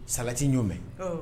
Salati y'o mɛn